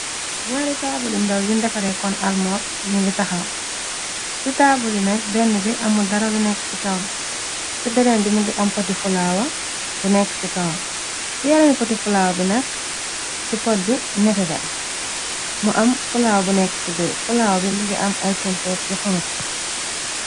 Nyaari taabuli ndaw yi ndefare ko almoor ñi ngi taxaw ci taabuli nak benn bi aml dara lu nekk ci kaw ci bennen bimi ngi am poti fulawa bu nekk ci kawan i yaarani poti fulaawa bi nakk ci pot bi nete la mu am fulaawa bu nekk ci bir fulaawa bi mu ngi am ay tuntu yu xonko.